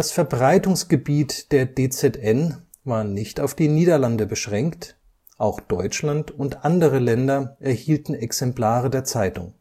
Verbreitungsgebiet der DZN war nicht auf die Niederlande beschränkt, auch Deutschland und andere Länder erhielten Exemplare der Zeitung